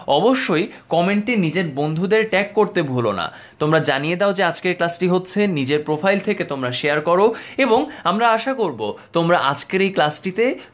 অবশ্যই কমেন্টে নিজেদের বন্ধুদের ট্যাগ করতে ভুলো না তোমরা জানিয়ে দাও যে আজকে ক্লাসটি হচ্ছে নিজের প্রোফাইল থেকে তোমরা শেয়ার কর এবং আমরা আশা করব তোমরা আজকের এই ক্লাসটি তে